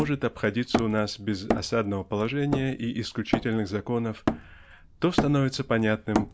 может обходиться у нас без осадного положения и исключительных законов то становится понятным